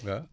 waa